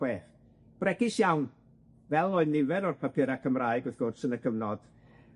chwech, bregus iawn, fel oedd nifer o'r papura Cymraeg, wrth gwrs, yn y cyfnod.